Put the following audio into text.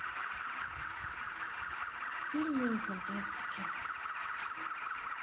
фильмы фантастики